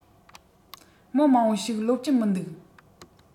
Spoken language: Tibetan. མི མང པོ ཞིག ལོབས ཀྱིན མི འདུག